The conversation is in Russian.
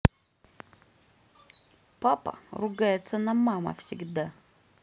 папа ругается на мама всегда